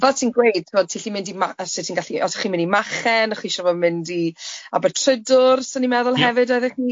Fel ti'n gweud tibod ti'n gallu mynd i ma- os o ti'n gallu os o chi'n mynd i Machen, o chi isio fo mynd i Aber Trydwr, swn i'n meddwl... Yep. ...hefyd oeddech chi?